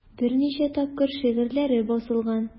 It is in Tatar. Берничә тапкыр шигырьләре басылган.